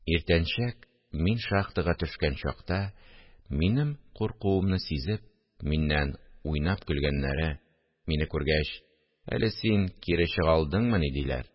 Иртәнчәк, мин шахтага төшкән чакта, минем куркуымны сизеп, миннән уйнап көлгәннәре, мине күргәч: – Әле син кире чыга алдыңмыни? – диләр